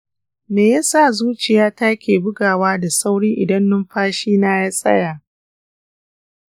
me yasa zuciyata ke bugawa da sauri idan numfashina ya tsaya?